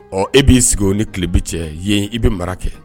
Ɔ e b'i sigi ni tilebi cɛ yen i bɛ mara kɛ